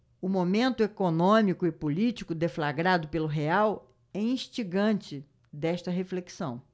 o momento econômico e político deflagrado pelo real é instigante desta reflexão